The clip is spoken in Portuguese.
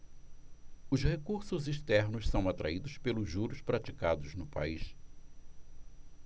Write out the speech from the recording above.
os recursos externos são atraídos pelos juros praticados no país